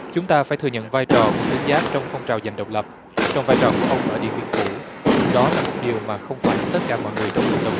chúng ta phải thừa nhận vai trò của tướng giáp trong phong trào giành độc lập trong vai trò của ông ở điện biên phủ đó là một điều mà không phải tất cả mọi người trong cộng đồng